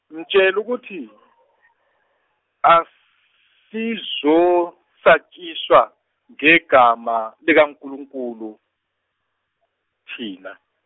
mtshele ukuthi, asizosatshiswa ngegama likaNkulunkulu, thina.